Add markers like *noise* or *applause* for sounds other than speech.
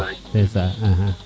*hesitation* ndesaan *hesitation*